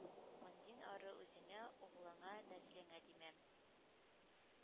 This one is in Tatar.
Мондин ары үзеңә, угълыңа, нәслеңгә тимәм.